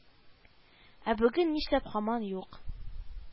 Ә бүген нишләп һаман юк